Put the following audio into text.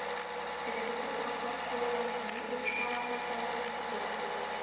Телебезне саклап калуда милли оешмаларның роле бик зур.